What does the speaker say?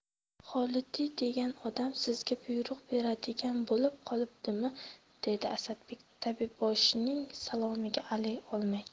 xolidiy degan odam sizga buyruq beradigan bo'lib qolibdimi dedi asadbek tabibboshining salomiga alik olmay